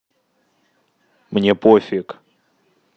мне пофиг